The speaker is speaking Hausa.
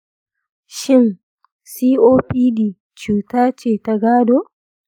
shin copd cuta ce ta gado?